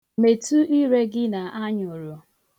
Metu ire gị n' anyụrụ.